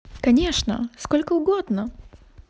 конечно сколько угодно